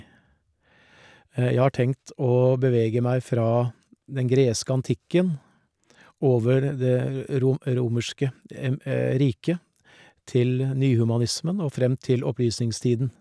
Jeg har tenkt å bevege meg fra den greske antikken, over det rom romerske riket, til nyhumanismen og frem til opplysningstiden.